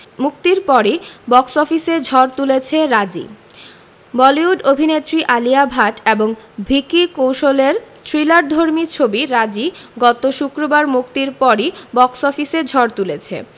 মুক্তির পরই বক্স অফিসে ঝড় তুলেছে রাজি বলিউড অভিনেত্রী আলিয়া ভাট এবং ভিকি কৌশলের থ্রিলারধর্মী ছবি রাজী গত শুক্রবার মুক্তির পরই বক্স অফিসে ঝড় তুলেছে